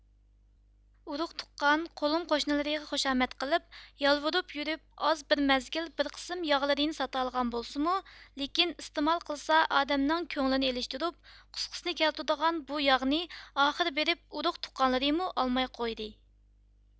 ئۇرۇق تۇغقان قولۇم قوشنىلىرىغا خۇشامەت قىلىپ يالۋۇرۇپ يۈرۈپ ئاز بىر مەزگىل بىر قىسىم ياغلىرىنى ساتالىغان بولسىمۇ لېكىن ئىستېمال قىلسا ئادەمنىڭ كۆڭلىنى ئېلىشتۇرۇپ قۇسقىسىنى كەلتۈرىدىغان بۇ ياغنى ئاخىر بېرىپ ئۇرۇق تۇغقانلىرىمۇ ئالماي قويدى